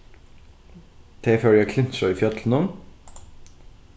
tey fóru at klintra í fjøllunum